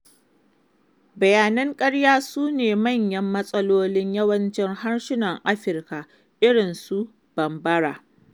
Bayanan ƙarya su ne manyan matsalolin yawancin harsunan Afirka irin su Bambara.